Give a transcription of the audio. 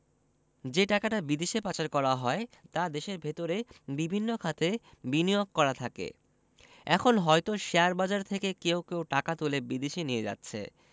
যে টাকাটা বিদেশে পাচার করা হয় তা দেশের ভেতরে বিভিন্ন খাতে বিনিয়োগ করা থাকে এখন হয়তো শেয়ারবাজার থেকে কেউ কেউ টাকা তুলে বিদেশে নিয়ে যাচ্ছে